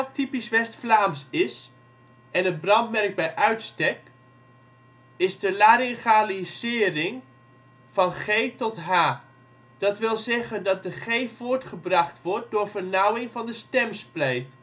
typisch West-Vlaams is, en het brandmerk bij uitstek, is de laryngalisering van g tot h, wat wil zeggen dat de g voortgebracht wordt door vernauwing van de stemspleet